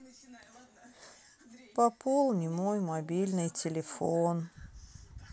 пополни мой мобильный телефон